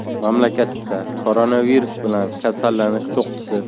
mamlakatda koronavirus bilan kasallanish cho'qqisi